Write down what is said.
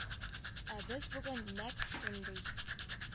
Ә без бүген нәкъ шундый